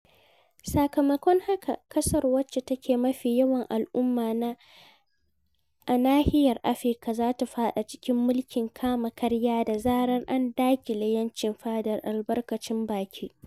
Sakamakon haka, ƙasar wacce take mafi yawan al'umma a nahiyar Afirka za ta faɗa cikin mulkin kama karya da zarar an daƙile 'yancin faɗar albarkacin baki.